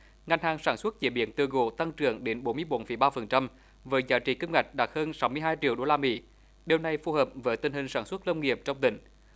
ngành hàng sản xuất chế biến từ gỗ tăng trưởng đến bốn mươi bốn phẩy ba phần trăm với giá trị kim ngạch đạt hơn sáu mươi hai triệu đô la mỹ điều này phù hợp với tình hình sản xuất nông nghiệp trong tỉnh